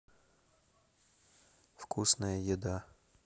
вкусная еда